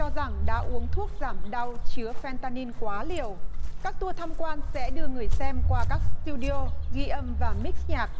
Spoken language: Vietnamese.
cho rằng đã uống thuốc giảm đau chứa phen ta nin quá liều các tua tham quan sẽ đưa người xem qua các sờ tiu đi ô ghi âm và míc nhạc